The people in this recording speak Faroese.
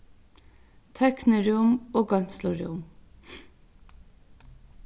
tøknirúm og goymslurúm